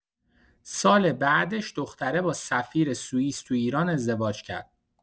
سال بعدش دختره با سفیر سوئیس تو ایران ازدواج کرد.